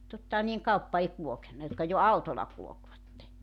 tottahan niiden kauppa ei kulkenut jotka jo autolla kulkivat